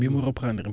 bi mu reprendre